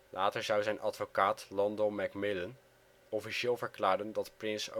Later zou zijn advocaat Londell Macmillan officieel verklaren dat Prince